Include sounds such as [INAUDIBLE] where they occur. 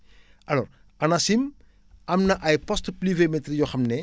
[BREATH] alors ANACIM am na ay poste pluviométrique yoo xam ne